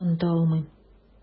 Оныта алмыйм.